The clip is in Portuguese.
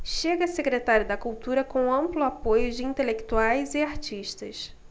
chega a secretário da cultura com amplo apoio de intelectuais e artistas